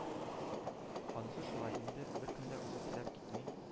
– анысы шулай инде, беркем дә үзе теләп китми